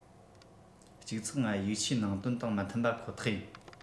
༡ ༥ ཡིག ཆའི ནང དོན དང མི མཐུན པ ཁོ ཐག ཡིན